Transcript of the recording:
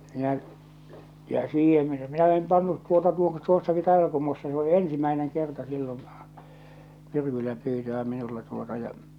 minä ja siihen minä en pannut tuota tuo tuossakin Taivalkummussa se on ensimmäinen kerta silloin myrkyllä pyytöä minulla tuota ja